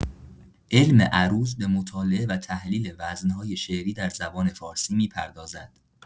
علم عروض به مطالعه و تحلیل وزن‌های شعری در زبان فارسی می‌پردازد.